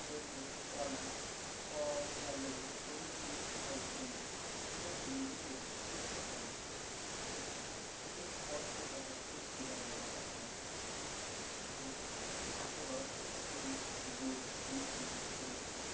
পেপে কলা কমলালেবু প্রভৃতি মিষ্টি ফলে এবং ফুলের মধুতে ফ্রুকটোজ থাকে একে ফল শর্করা বা ফ্রুট শুগার বলা হয়ে থাকে সুক্রোজ আখের রস চিনি গুড় মিছরি এর উৎস